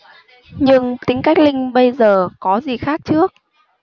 nhưng tính cách linh bây giờ có gì khác trước